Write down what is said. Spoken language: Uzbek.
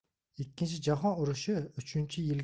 ikkinchi jahon urushi uchinchi